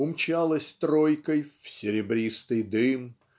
умчалось тройкой в "серебристый дым"